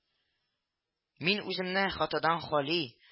—мин үземне хатадан хали